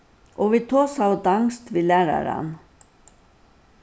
og vit tosaðu danskt við læraran